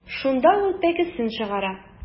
Шунда ул пәкесен чыгара.